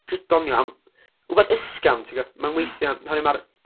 jyst doniol am, rywbeth ysgafn, tibod? Ma'n weithiau, hynny ma'r-